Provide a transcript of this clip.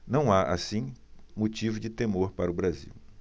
não há assim motivo de temor para o brasil